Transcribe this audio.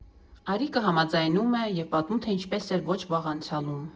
Արիկը համաձայնում է և պատմում, թե ինչպես էր ոչ վաղ անցյալում.